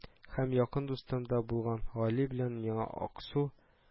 Һәм якын дустым да булган гали белән миңа аксу